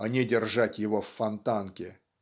а не держать его в Фонтанке"